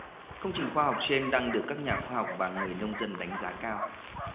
công trình khoa học trên đang được các nhà khoa học và người nông dân đánh giá cao